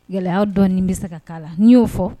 Gɛlɛyaya dɔn bɛ se ka la n'i y'o fɔ